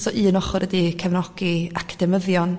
so un ochr ydi cefnogi academyddion